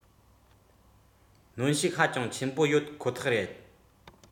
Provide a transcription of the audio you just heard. གནོན ཤུགས ཧ ཅང ཆེན པོ ཡོད ཁོ ཐག རེད